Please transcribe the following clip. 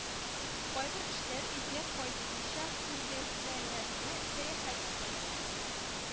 Кайбер эшләр өйгә кайтмыйча күргәзмәләрдә сәяхәт итә